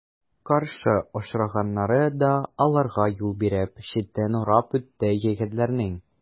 Каршы очраганнары да аларга юл биреп, читтән урап үтте егетләрнең.